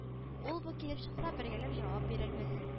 Ул-бу килеп чыкса бергәләп җавап бирербез